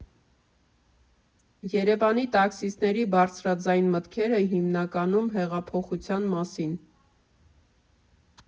Երևանցի տաքսիստների բարձրաձայն մտքերը՝ հիմնականում հեղափոխության մասին։